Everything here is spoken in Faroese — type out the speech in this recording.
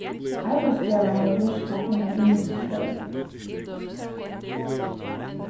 arbeiðsgevararnir virka innan ymisk størv